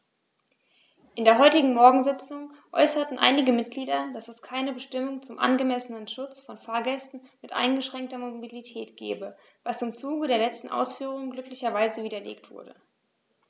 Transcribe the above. In der heutigen Morgensitzung äußerten einige Mitglieder, dass es keine Bestimmung zum angemessenen Schutz von Fahrgästen mit eingeschränkter Mobilität gebe, was im Zuge der letzten Ausführungen glücklicherweise widerlegt wurde.